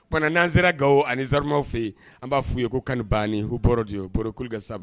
P nananzse ga ani zzrirmaw fɛ yen an b'a f'u ye ko kan ban'u bo bo ka sababu